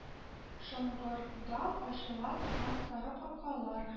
Шыңгырдап ачыла торган сары капкалар